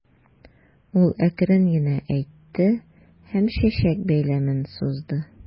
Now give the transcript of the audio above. Ул әкрен генә әйтте һәм чәчәк бәйләмен сузды.